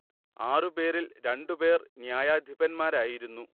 ആറു പേരിൽ രണ്ടുപേർ ന്യായാധിപന്മാരായിരുന്നു